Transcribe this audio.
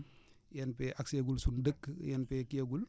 INP agg see gul sunu dëkk INP kii a gul